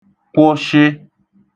kwụshị